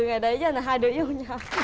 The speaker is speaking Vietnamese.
từ ngày đấy giờ là hai đứa yêu nhau